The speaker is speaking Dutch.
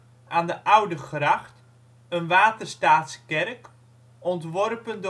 aan de Oudegracht, een Waterstaatskerk ontworpen